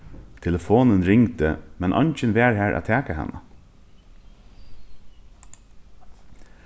telefonin ringdi men eingin var har at taka hana